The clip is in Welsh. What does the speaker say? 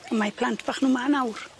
A mae plant bach nw 'ma nawr.